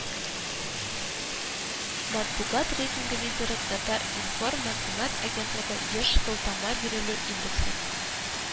Матбугат рейтингы лидеры – “Татар-информ” мәгълүмат агентлыгы еш сылтама бирелү индексы